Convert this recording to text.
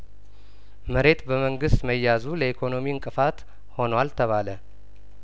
መሬት በመንግስት መያዙ ለኢኮኖሚ እንቅፋት ሆኗል ተባለ